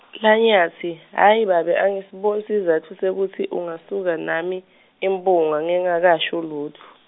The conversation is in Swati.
LaNyatsi, hhayi babe, angisiboni sizatfu sekutsi ungasuka nami, imphunga ngingakasho lutfo.